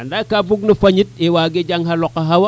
anda ka bug no fañit to waage jang xa loq a xawan